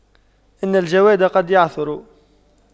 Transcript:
إن الجواد قد يعثر